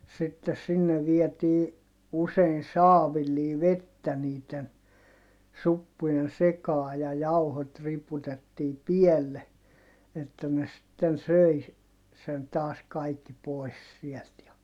sitten sinne vietiin usein saavillisia vettä niiden suppujen sekaan ja jauhot riputettiin päälle että ne sitten söi sen taas kaikki pois siltä ja